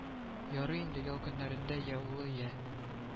Ярый инде ял көннәрендә я улы, я